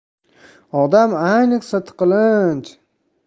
odam ayniqsa tiqilinch